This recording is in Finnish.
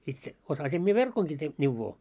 itse osasin minä verkonkin - neuvoa